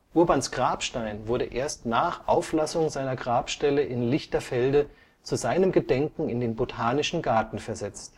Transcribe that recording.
Urbans Grabstein wurde erst nach Auflassung seiner Grabstelle in Lichterfelde zu seinem Gedenken in den Botanischen Garten versetzt